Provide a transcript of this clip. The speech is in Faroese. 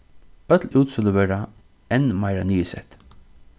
øll útsøluvøra enn meira niðursett